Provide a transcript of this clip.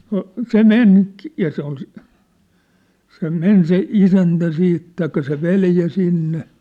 no se meni ja se oli - se meni se isäntä sitten tai se veli sinne